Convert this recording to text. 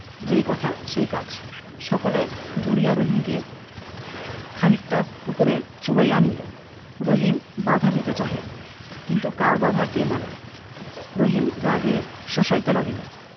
যেই কথা সেই কাজ সকলে ধরিয়া রহিমকে খনিকটা পুকুরে চুবাইয়া আনিল রহিম বাধা দিতে চাহে কিন্তু কার বাধা কে মানে রহিম রাগে শোষাইতে লাগিল